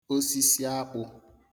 osisi akpụ̄